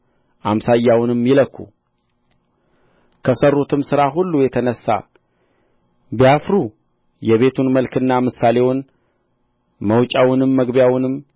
አምሳያውንም ይለኩ ከሠሩትም ሥራ ሁሉ የተነሣ ቢያፍሩ የቤቱን መልክና ምሳሌውን መውጫውንም መግቢያውንም ሥርዓቱንም ሕጉንም ሁሉ አስታውቃቸው